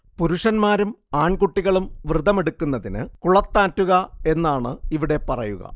പുരുഷന്മാരും ആൺകുട്ടികളും വ്രതമെടുക്കുന്നതിന് കുളുത്താറ്റുക എന്നാണ് ഇവിടെ പറയുക